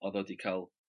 odd o 'di ca'l